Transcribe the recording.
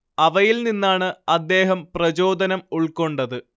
അവയിൽ നിന്നാണ് അദ്ദേഹം പ്രചോദനം ഉൾക്കൊണ്ടത്